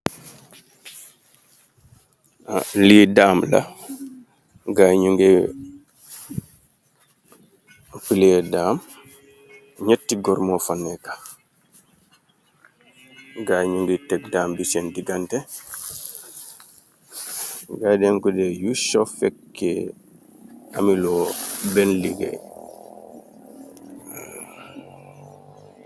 lii daam la gaayñu ngay akuleer daam ñetti gormo fa neeka gaayñu ngiy teg daam bi seen digante gay denkude yu shof fekke amiloo benn liggée